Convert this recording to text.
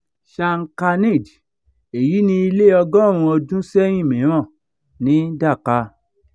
ShankhaNidh Èyí ni ilé ọgọ́rùn-ún ọdún sẹ́yìn mìíràn ní Dhaka.